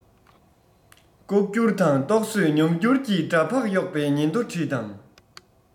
ལྐོག འགྱུར དང རྟོག བཟོས ཉམས འགྱུར གྱི འདྲ འབག གཡོག པའི ཉིན ཐོ བྲིས དང